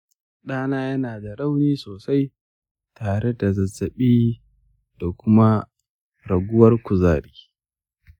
ɗana yana da rauni sosai tare da zazzabi da kuma raguwar kuzari